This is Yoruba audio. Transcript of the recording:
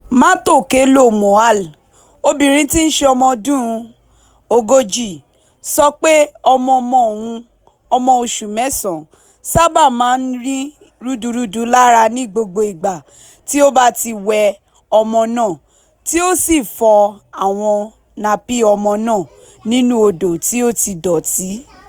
Matokelo Moahl, obìnrin tí í ṣe ọmọ ọdún 40, sọ pé ọmọ-ọmọ òun, ọmọ oṣù mẹ́sàn-án, sábà máa ń ní rúdurùdu lára ní gbogbo ìgbà tí ó bá ti wẹ ọmọ náà tí ó sì fọ àwọn napí ọmọ náà nínú odò tí ó ti dọ̀tí.